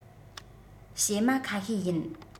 བྱེ མ ཁ ཤས ཡིན